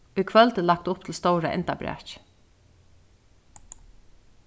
í kvøld er lagt upp til stóra endabrakið